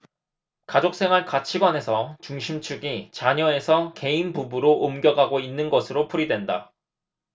가족생활 가치관에서 중심축이 자녀에서 개인 부부로 옮겨가고 있는 것으로 풀이된다